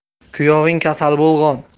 kuyoving kasal bo'lgon